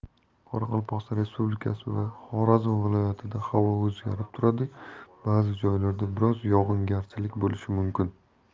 qoraqalpog'iston respublikasi va xorazm viloyatida havo o'zgarib turadi ba'zi joylarda biroz yog'ingarchilik bo'lishi mumkin